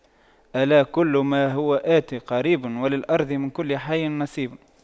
ألا كل ما هو آت قريب وللأرض من كل حي نصيب